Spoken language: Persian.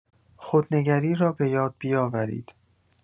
خودنگری را بۀاد بیاورید